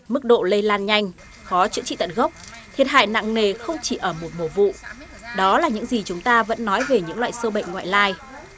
mức độ lây lan nhanh khó chữa trị tận gốc thiệt hại nặng nề không chỉ ở một mùa vụ đó là những gì chúng ta vẫn nói về những loại sâu bệnh ngoại lai